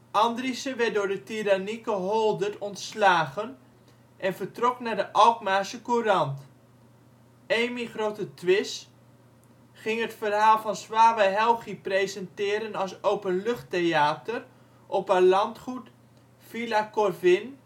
Andriessen werd door de tirannieke Holdert ontslagen en vertrok naar de Alkmaarsche Courant. Amy Grothe-Twiss ging het verhaal van Swawa Helgi presenteren als openluchttheater op haar landgoed Villa Corvin